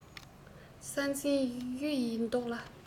ས འཛིན གཡུ ཡི མདོག ལ